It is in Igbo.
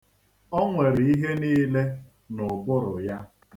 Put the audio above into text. O nwere ihe niile n'ụbụrụ ya.